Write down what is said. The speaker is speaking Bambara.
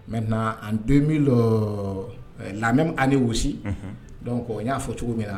Mɛ na an don lamɛn ani ni wo n y'a fɔ cogo min na